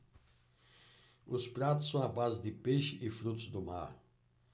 os pratos são à base de peixe e frutos do mar